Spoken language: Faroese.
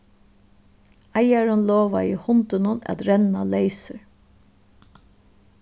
eigarin lovaði hundinum at renna leysur